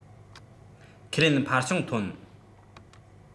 ཁས ལེན འཕར བྱུང ཐོན